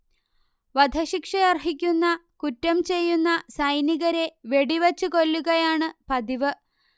വധശിക്ഷയർഹിക്കുന്ന കുറ്റം ചെയ്യുന്ന സൈനികരെ വെടിവച്ച് കൊല്ലുകയാണ് പതിവ്